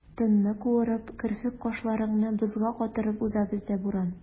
Тынны куырып, керфек-кашларыңны бозга катырып уза бездә буран.